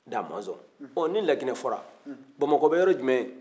da mɔzɔn ɔ ni laginɛ fɔra bamakɔ be yɔrɔ jumɛn